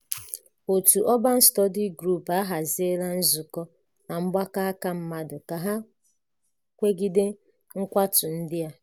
Òtù Urban Study Group ahaziela nzukọ na mgbakọ aka mmadụ ka ha kwegide nkwatu ndị a .